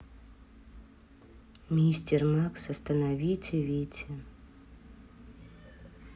мистер макс остановите вите